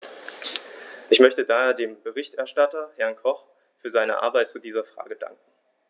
Ich möchte daher dem Berichterstatter, Herrn Koch, für seine Arbeit zu dieser Frage danken.